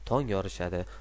tong yorishadi